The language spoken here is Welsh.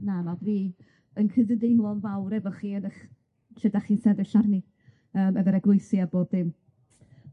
Na, ma' yn cydymdeimlo'n fawr efo chi yn 'ych lle 'dach chi'n sefyll arni, yym efo'r eglwysi a bob dim.